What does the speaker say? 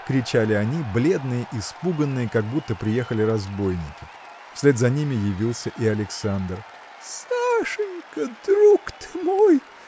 – кричали они, бледные, испуганные, как будто приехали разбойники. Вслед за ними явился и Александр. – Сашенька! друг ты мой!.